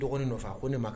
Dɔgɔnin faa ko ne ma